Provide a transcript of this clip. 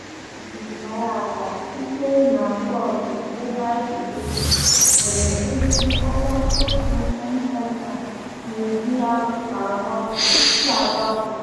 David Zarraga, sitere na blọọgụ Mobile Behavior nwere ezi nkọwa otu M-Pesa na-esi arụ ọrụ.